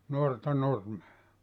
nuorta nurmea